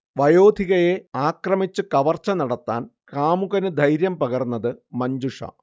വയോധികയെ ആക്രമിച്ചു കവർച്ച നടത്താൻ കാമുകനു ധൈര്യം പകർന്നതു മഞ്ജുഷ